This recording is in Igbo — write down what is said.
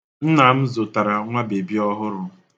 Nna m zụtara nwebebi ọhụrụ